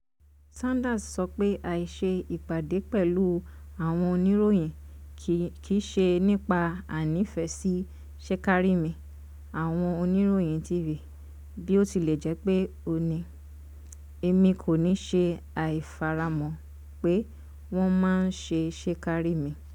Sanders sọ pé àìse ìpàdé pẹ̀lú àwọn oníròyìn kí ṣe nípà àìnífẹ́sí “ṣekárími” àwon oníròyìn TV, bíótilẹ̀jẹ́pé ó ní̀: "Emí kò ní ṣe àìfaramọ́ pé wọ́n máa ń ṣe ṣekárími.”